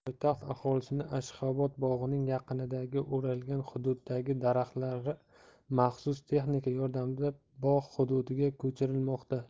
poytaxt aholisini ashxobod bog'ining yaqinidagi o'ralgan hududdagi daraxtlar maxsus texnika yordamida bog' hududiga ko'chirilmoqda